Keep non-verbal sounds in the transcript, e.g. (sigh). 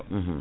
(hesitation) (hesitation)